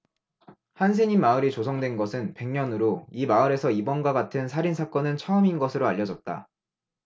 한센인 마을이 조성된 것은 백 년으로 이 마을에서 이번과 같은 살인 사건은 처음인 것으로 알려졌다